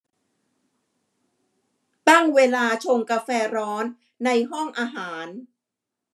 ตั้งเวลาชงกาแฟร้อนในห้องอาหาร